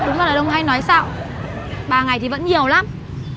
đúng là long hay nói xạo ba ngày thì vẫn nhiều lắm